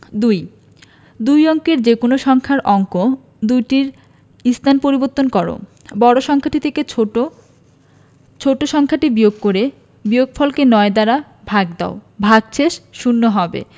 ২ দুই অঙ্কের যেকোনো সংখ্যার অঙ্ক দুইটির স্থান পরিবর্তন কর বড় সংখ্যাটি থেকে ছোট ছোট সংখ্যাটি বিয়োগ করে বিয়োগফলকে ৯ দ্বারা ভাগ দাও ভাগশেষ শূন্য হবে